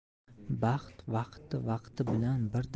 baxt vaqti vaqti bilan bir